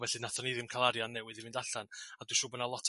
felly nathon ni ddim ca'l arian newydd i fynd allan a dwi'n siŵr bo' 'na lot o